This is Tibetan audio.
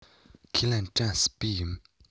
ཁས ལེན དྲན སྲིད པས ཡིན